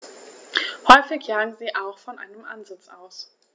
Häufig jagen sie auch von einem Ansitz aus.